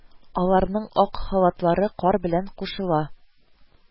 Аларның ак халатлары кар белән кушыла